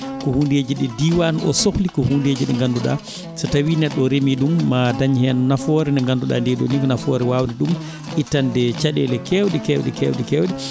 ko hundeji ɗi diwan o sohli ko hundeji ɗi ngannduɗaa so tawi neɗɗo o reemi ɗum ma dañ hen nafoore nde ngannduɗaa ndeɗo ni ko nafoore wawde ɗum ittande caɗele kewɗe kewɗe kewɗe kewɗe